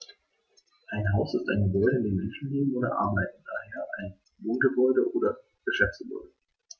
Ein Haus ist ein Gebäude, in dem Menschen leben oder arbeiten, d. h. ein Wohngebäude oder Geschäftsgebäude.